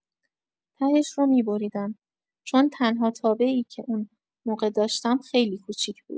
تهش رو می‌بریدم، چون تنها تابه‌ای که اون موقع داشتم خیلی کوچک بود.